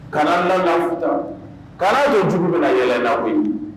Kaana na kaana ye jugu bɛ yɛlɛna